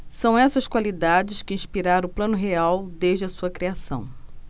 são essas qualidades que inspiraram o plano real desde a sua criação